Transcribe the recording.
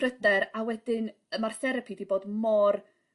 Pryder a wedyn yy ma'r therapi 'di bod mor